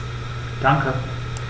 Danke.